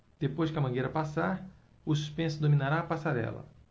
depois que a mangueira passar o suspense dominará a passarela